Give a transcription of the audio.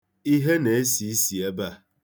Ihe na-esi isi ebe a.